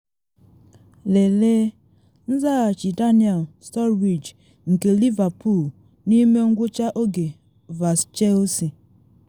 Lelee: Nsaghachi Daniel Sturridge nke Liverpool n’ime ngwụcha oge vs Chelsea